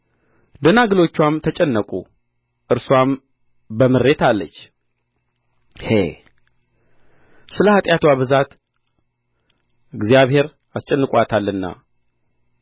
ደናግሎችዋም ተጨነቁ እርስዋም በምሬት አለች ሄ ስለ ኃጢአትዋ ብዛት እግዚአብሔር አስጨንቆአታልና